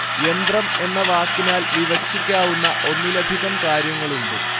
യന്ത്രം എന്ന വാക്കിനാല്‍ വിവക്ഷിക്കാവുന്ന ഒന്നിലധികം കാര്യങ്ങളുണ്ട്